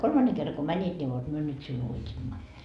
a kolmannen kerran kun menit niin vot me nyt sinun uitimme